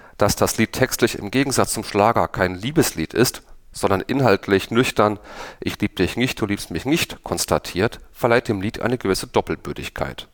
Dass das Lied textlich im Gegensatz zum Schlager kein Liebeslied ist, sondern inhaltlich nüchtern „ ich lieb dich nicht du liebst mich nicht “konstatiert, verleiht dem Lied eine gewisse Doppelbödigkeit